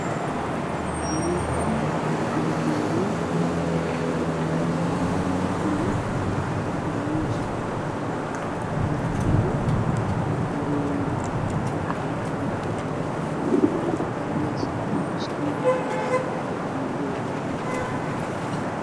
Saxaman bakeeriyo iyo tarmuus waxaa ak yaala geedo cagaran tarmuuska iyo bakeeriyaasha midab koodu waa madow